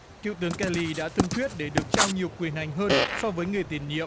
cựu tướng ke ly đã thương thuyết để được trao nhiều quyền hành hơn so với người tiền nhiệm